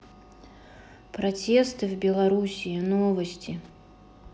протесты в белоруссии новости